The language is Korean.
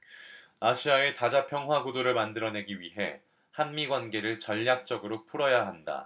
아시아의 다자 평화구도를 만들어 내기 위해 한 미 관계를 전략적으로 풀어야 한다